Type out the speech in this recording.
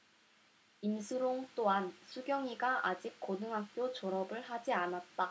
임슬옹 또한 수경이가 아직 고등학교 졸업을 하지 않았다